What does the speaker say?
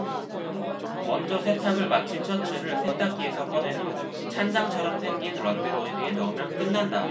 먼저 세탁을 마친 셔츠를 세탁기에서 꺼낸 후 찬장처럼 생긴 런드로이드에 넣으면 끝난다